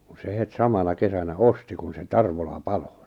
kun se heti samana kesänä osti kun se Tarvola paloi